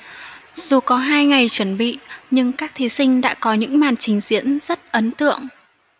dù có hai ngày chuẩn bị nhưng các thí sinh đã có những màn trình diễn rất ấn tượng